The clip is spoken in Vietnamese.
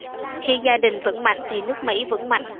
khi gia đình vững mạnh thì nước mỹ vững mạnh